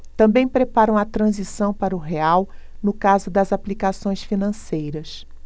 também preparam a transição para o real no caso das aplicações financeiras